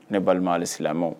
Ne balima silamɛ